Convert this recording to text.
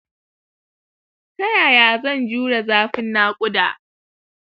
tayaya zan jure zafin nakuda